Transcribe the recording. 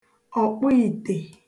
ọ̀kpụìtè